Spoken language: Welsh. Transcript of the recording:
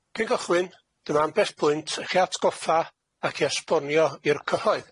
Cyn cychwyn, dyma ambell bwynt i chi atgoffa, ac i esbonio i'r cyhoedd.